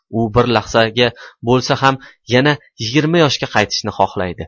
u bir lahzaga bo'lsa ham yana yigirma yoshga qaytishni xohlaydi